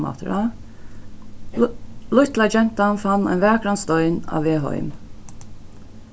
lítla gentan fann ein vakran stein á veg heim